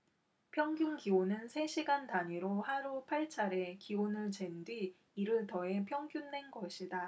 평균기온은 세 시간 단위로 하루 팔 차례 기온을 잰 뒤 이를 더해 평균 낸 것이다